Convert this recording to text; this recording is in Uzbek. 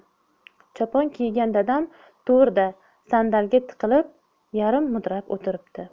chopon kiygan dadam to'rda sandalga tiqilib yarim mudrab o'tiribdi